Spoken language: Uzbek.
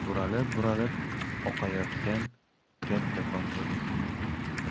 buralib buralib oqayotgan kattakon edi